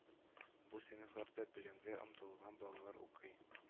Бу сыйныфларда белемгә омтылган балалар укый